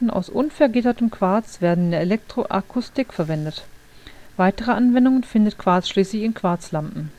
aus unverwittertem Quarz werden in der Elektroakustik verwendet. Weitere Anwendungen findet Quarz schließlich in Quarzlampen